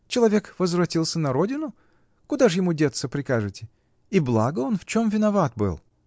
Человек возвратился на родину -- куда ж ему деться прикажете? И благо он в чем виноват был!